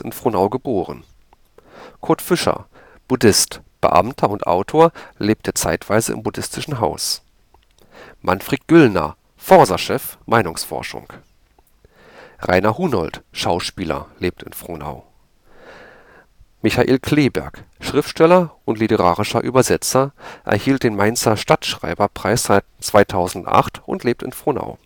Frohnau geboren Kurt Fischer, Buddhist, Beamter und Autor, lebte zeitweise im Buddhistischen Haus Manfred Güllner, FORSA-Chef (Meinungsforschung) und SPD-Mitglied Rainer Hunold, Schauspieler, lebt in Frohnau Michael Kleeberg, Schriftsteller und literarischer Übersetzer, erhielt den Mainzer Stadtschreiber Preis 2008 und lebt in Frohnau